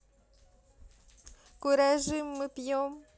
куражим мы пьем